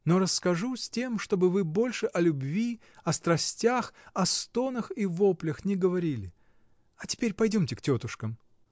Но расскажу с тем, чтобы вы больше о любви, о страстях, о стонах и воплях не говорили. А теперь пойдемте к тетушкам.